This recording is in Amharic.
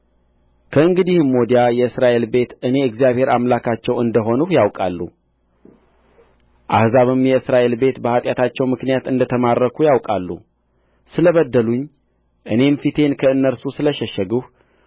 ከእንግዲህም ወዲያ የእስራኤል ቤት እኔ እግዚአብሔር አምላካቸው እንደ ሆንሁ ያውቃሉ አሕዛብም የእስራኤል ቤት በኃጢአታቸው ምክንያት እንደ ተማረኩ ያውቃሉ ስለ በደሉኝ እኔም ፊቴን ከእነርሱ ስለ ሸሸግሁ